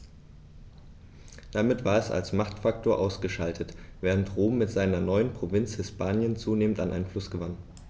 Damit war es als Machtfaktor ausgeschaltet, während Rom mit seiner neuen Provinz Hispanien zunehmend an Einfluss gewann.